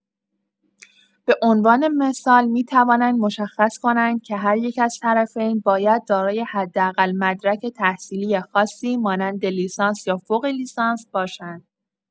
به‌عنوان مثال، می‌توانند مشخص کنند که هر یک از طرفین باید دارای حداقل مدرک تحصیلی خاصی مانند لیسانس یا فوق‌لیسانس باشند.